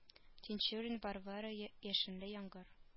Тинчурин варвара я яшенле яңгыр